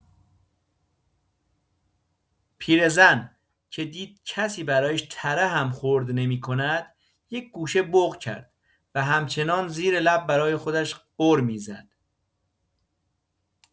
پیر زن که دید کسی برایش تره هم خورد نمی‌کند یک‌گوشه بق کرد و همچنان زیر لب برای خودش غر می‌زد.